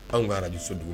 Anw ka radio so dun?